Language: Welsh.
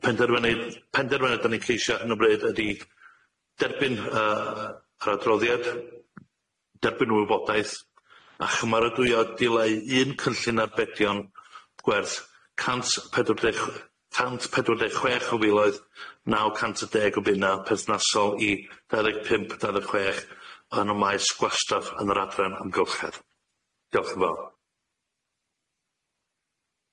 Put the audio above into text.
Y penderfynu- penderfyniad da ni'n ceisio ar hyn o bryd ydi derbyn yy yr adroddiad, derbyn y wybodaeth a chymaradwyo dileu un cynllun arbedion gwerth cant pedwar deg ch- cant pedwar deg chwech o filoedd naw cant deg o bunnau perthnasol i dau ddeg pump dau ddeg chwech yn y maes gwastraff yn yr adran amgylchedd. Diolch yn fawr.